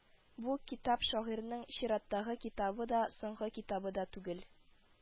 Бу китап шагыйрьнең чираттагы китабы да, соңгы китабы да түгел